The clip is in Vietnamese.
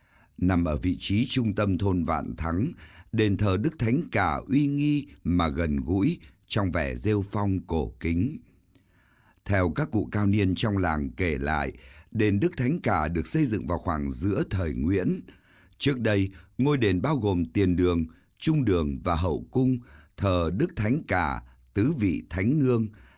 nằm ở vị trí trung tâm thôn vạn thắng đền thờ đức thánh cả uy nghi mà gần gũi trong vẻ rêu phong cổ kính theo các cụ cao niên trong làng kể lại đền đức thánh cả được xây dựng vào khoảng giữa thời nguyễn trước đây ngôi đền bao gồm tiền đường trung đường và hậu cung thờ đức thánh cả tứ vị thánh nương